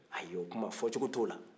ayi o kuma fɔcɔgɔ tɛ o la